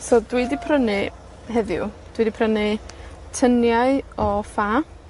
So dwi 'di prynu, heddiw, dwi 'di prynu tyniau o ffa.